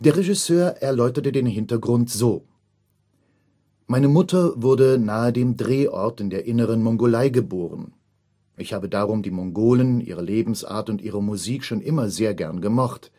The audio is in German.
Regisseur erläuterte den Hintergrund so: „ Meine Mutter wurde nahe dem Drehort in der Inneren Mongolei geboren. Ich habe darum die Mongolen, ihre Lebensart und ihre Musik schon immer sehr gern gemocht